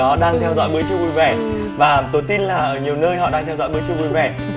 đó đang theo dõi bữa trưa vui vẻ và tôi tin là nhiều nơi họ đang theo dõi bữa trưa vui vẻ